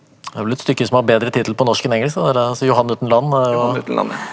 det er vel et stykke som har bedre tittel på norsk enn på engelsk det der altså Johan uten land er da .